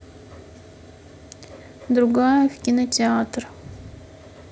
друга в кинотеатр